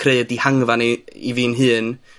creu y dihangfa 'ny i fi'n hun,